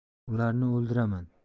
ularni o'ldiraman